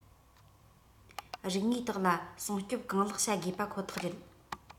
རིག དངོས དག ལ སྲུང སྐྱོབ གང ལེགས བྱ དགོས པ ཁོ ཐག རེད